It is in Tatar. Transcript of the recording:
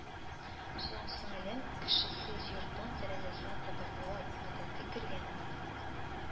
Соң, сеңелем, кешесез йортның тәрәзәсен кадаклау гадәткә кергән бит